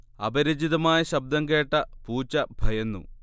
അപരിചിതമായ ശബ്ദം കേട്ട പൂച്ച ഭയന്നു